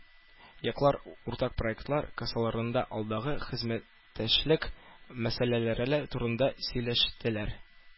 Яклар уртак проектлар кысаларында алдагы хезмәттәшлек мәсьәләләре турында сөйләштеләр.